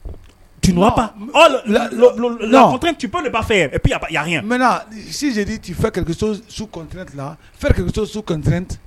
Tu mens pas, tu es en train de ne pas faire et puis il y a rien, maintenant aintenant si je te dis de faire quelque chose la sous contrainte ,tu fais quelque chose sous contrainte.